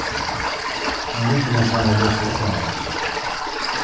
ein vinkona hjá mær lesur uttanlands